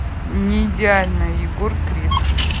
неидеальная егор крид